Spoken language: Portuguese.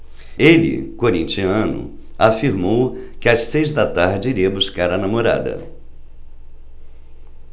ele corintiano afirmou que às seis da tarde iria buscar a namorada